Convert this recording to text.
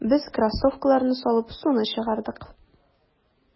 Без кроссовкаларны салып, суны чыгардык.